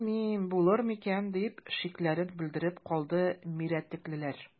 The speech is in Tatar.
Белмим, булыр микән,– дип шикләрен белдереп калды мирәтәклеләр.